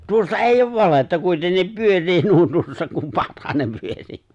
tuossa ei ole valhetta kuitenkin pyörii nuo tuossa kun pakkanen pyörii